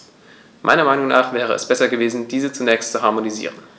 Meiner Meinung nach wäre es besser gewesen, diese zunächst zu harmonisieren.